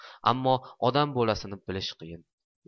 ammo odam bolasini bilish qiyin